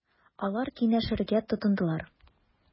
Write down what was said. Алар киңәшергә тотындылар.